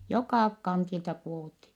joka kantilta -